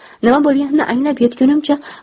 nima bo'lganini anglab yetgunimcha